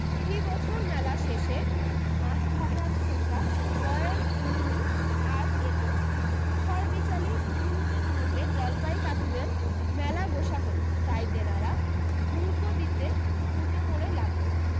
ফি বছর মেলা শেষে মাছভাজার খোসা বয়ের উড়ুনি আর এঁটো খড়বিচালি কুড়ুতে কুড়ুতে জলপাই কাকুদের মেলা গোঁসা হলো তাই তেনারা হুড়কো দিতে উটে পড়ে লাগলেন